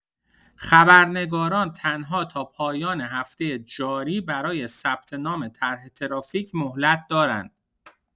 خبرنگاران تنها تا پایان هفته جاری برای ثبت‌نام طرح ترافیک مهلت دارند.